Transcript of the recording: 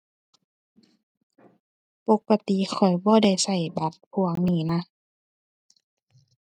ปกติข้อยบ่ได้ใช้บัตรพวกนี้นะ